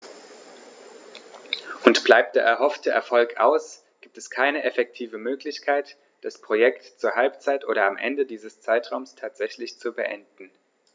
Und bleibt der erhoffte Erfolg aus, gibt es keine effektive Möglichkeit, das Projekt zur Halbzeit oder am Ende dieses Zeitraums tatsächlich zu beenden.